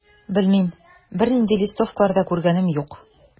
Белмим, бернинди листовкалар да күргәнем юк.